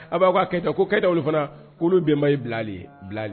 Aw b'aw Kɛta ko Kɛta olu fana olu bɛnbakɛ ye Bilali ye